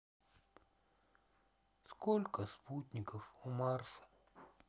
сколько спутников у марса